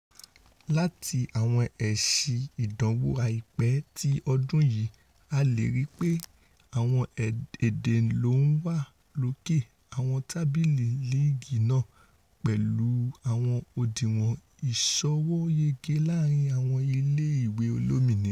Láti àwọn èsì ìdánwò àìpẹ́ ti ọdún yìí, a leè ríi pé àwọn èdè ló ńwà lókè àwọn tábìlì líìgí náà pẹ̀lú àwọn òdiwọn ìṣọwọ́yege láàrin àwọn ilé ìwé olómìnira.